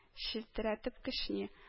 Челтерәтеп кешни